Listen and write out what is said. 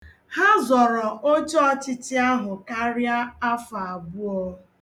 Ha zọrọ oche ọchịchị ahụ karịa afọ abụọ.